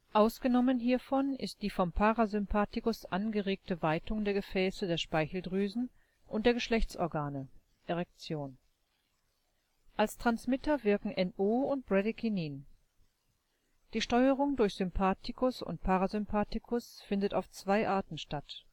Ausgenommen hiervon ist die vom Parasympathikus angeregte Weitung der Gefäße der Speicheldrüsen und der Geschlechtsorgane (Erektion). Als Transmitter wirken NO und Bradykinin. Die Steuerung durch Sympathikus und Parasympathikus findet auf zwei Arten statt